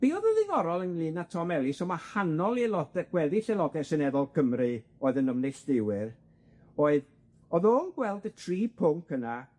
Be' o'dd yn ddiddorol ynglŷn â Tom Ellis yn wahanol i aelode gweddill aelode Seneddol Cymru o'dd yn ymneilltuwyr, oedd o'dd o'n gweld y tri pwnc yna,